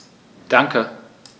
Danke.